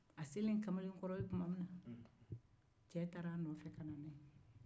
a se len kamalenkɔrɔ tuma min na cɛ taara a nɔfɛ ka na n'a ye